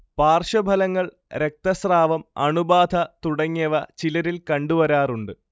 പാർശ്വഫലങ്ങൾ രക്തസ്രാവം, അണുബാധ തുടങ്ങിയവ ചിലരിൽ കണ്ടുവരാറുണ്ട്